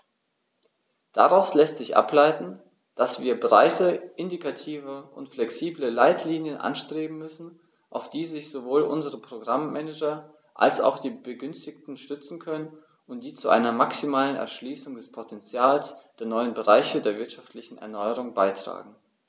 Daraus lässt sich ableiten, dass wir breite, indikative und flexible Leitlinien anstreben müssen, auf die sich sowohl unsere Programm-Manager als auch die Begünstigten stützen können und die zu einer maximalen Erschließung des Potentials der neuen Bereiche der wirtschaftlichen Erneuerung beitragen.